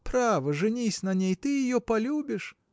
Право, женись на ней; ты ее полюбишь.